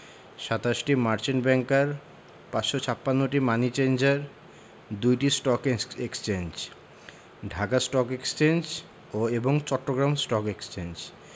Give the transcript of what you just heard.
২৭টি merchant banker ৫৫৬টি money changer ২টি stock ex exchange Dhaka stock exchange এবং চট্টগ্রাম স্টক এক্সচেঞ্জ